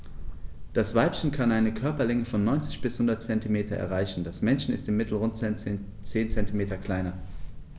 Das Weibchen kann eine Körperlänge von 90-100 cm erreichen; das Männchen ist im Mittel rund 10 cm kleiner.